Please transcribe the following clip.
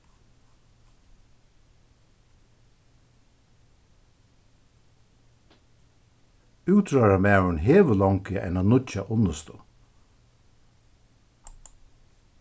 útróðrarmaðurin hevur longu eina nýggja unnustu